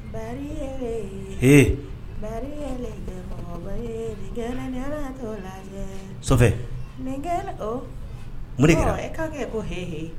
Kɛ ko h